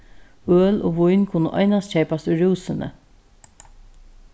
øl og vín kunnu einans keypast í rúsuni